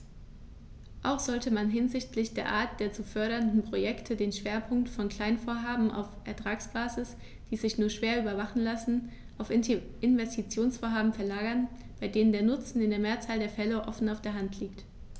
Auch sollte man hinsichtlich der Art der zu fördernden Projekte den Schwerpunkt von Kleinvorhaben auf Ertragsbasis, die sich nur schwer überwachen lassen, auf Investitionsvorhaben verlagern, bei denen der Nutzen in der Mehrzahl der Fälle offen auf der Hand liegt.